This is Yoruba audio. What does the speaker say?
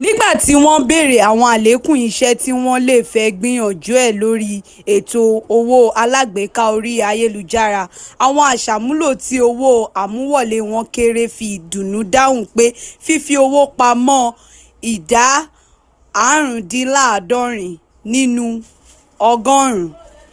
Nígbà tí wọ́n béèrè àwọn àlékún iṣẹ́ tí wọ́n lè fẹ́ gbìyànjú ẹ̀ lórí ètò owó alágbèéká orí ayélujára, àwọn aṣàmúlò tí owó àmúwọlé wọn kéré fi ìdùnnú dáhùn pé fífi owó pamọ́ (65%).